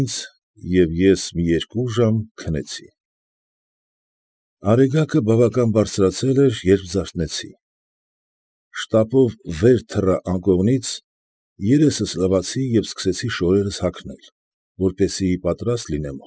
Շիրվանզադե։